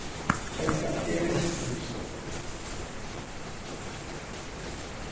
hetta er neyðstøða